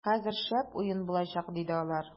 - хәзер шәп уен булачак, - диде алар.